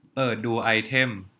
เปิดดูไอเท็ม